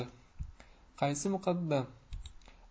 qaysi muqaddam